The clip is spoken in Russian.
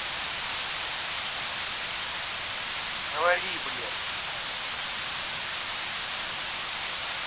говори блядь